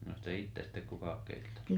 no ei sitä itse sitten kukaan keittänyt